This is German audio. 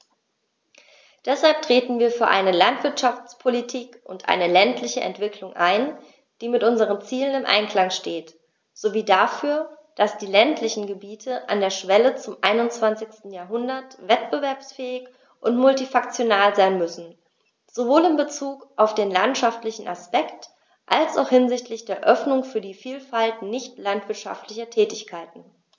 Deshalb treten wir für eine Landwirtschaftspolitik und eine ländliche Entwicklung ein, die mit unseren Zielen im Einklang steht, sowie dafür, dass die ländlichen Gebiete an der Schwelle zum 21. Jahrhundert wettbewerbsfähig und multifunktional sein müssen, sowohl in Bezug auf den landwirtschaftlichen Aspekt als auch hinsichtlich der Öffnung für die Vielfalt nicht landwirtschaftlicher Tätigkeiten.